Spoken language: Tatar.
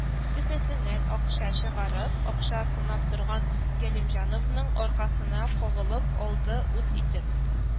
Кесәсеннән акча чыгарып, акча санап торган Галимҗановның аркасына кагылып алды үз итеп